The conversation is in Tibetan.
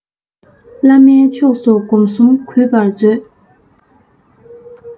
བླ མའི ཕྱོགས སུ སྒོམ གསུམ གུས པར མཛོད